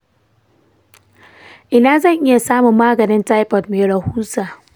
ina zan iya samun maganin typhoid mai rahusa?